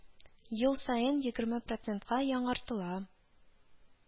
Ел саен егерме процентка яңартыла